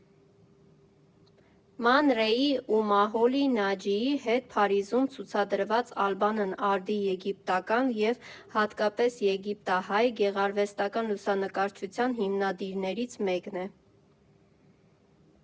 Ման Ռեյի ու Մահոլի Նաջիի հետ Փարիզում ցուցադրված Ալբանն արդի եգիպտական (և հատկապես եգիպտահայ) գեղարվեստական լուսանկարչության հիմնադիրներից մեկն է։